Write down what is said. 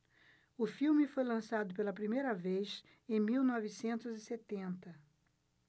o filme foi lançado pela primeira vez em mil novecentos e setenta